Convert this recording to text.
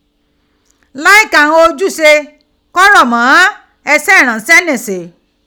Lai ka ighan ojuse ko ro mo ise iranse ni si.